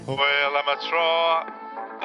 Pob 'wyl am y tro.